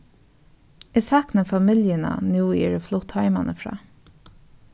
eg sakni familjuna nú eg eri flutt heimanífrá